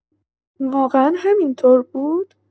واقعا همین‌طور بود؟